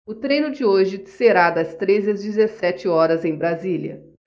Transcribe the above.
o treino de hoje será das treze às dezessete horas em brasília